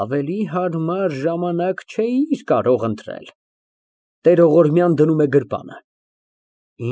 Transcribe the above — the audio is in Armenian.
Ավելի հարմար ժամանակ չէիր կարող ընտրել։ (Տերողորմյան դնում է գրպանը)։